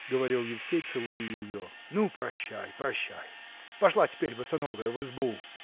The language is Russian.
– говорил Евсей, целуя ее, – ну, прощай, прощай! пошла теперь, босоногая, в избу!